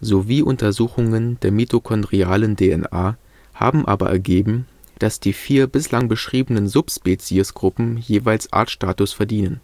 sowie Untersuchungen der mitochondrialen DNA haben aber ergeben, dass die vier bislang beschriebenen Subspeziesgruppen jeweils Artstatus verdienen.